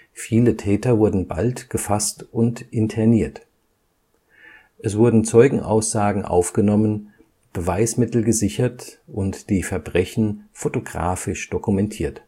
Viele Täter wurden bald gefasst und interniert. Es wurden Zeugenaussagen aufgenommen, Beweismittel gesichert und die Verbrechen fotografisch dokumentiert